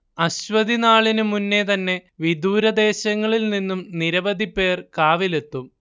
അശ്വതിനാളിനു മുന്നേ തന്നെ വിദൂരദേശങ്ങളിൽ നിന്നും നിരവധി പേർ കാവിലെത്തും